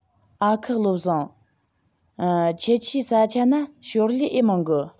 ཨ ཁུ བློ བཟང ཁྱེད ཆའི ས ཆ ན ཞོར ལས ཨེ མང གི